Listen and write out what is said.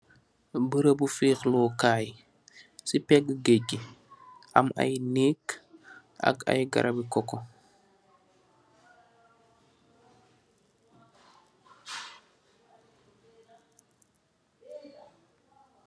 Barabu fiixloo kaay, si peegù geege gi, am ay neek ak ay garabi koko.